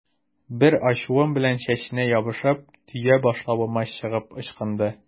Бар ачуым белән чәченә ябышып, төя башлавыма чыгып ычкынды.